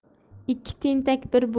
ikki tentak bir